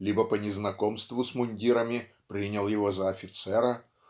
либо по незнакомству с мундирами принял его за офицера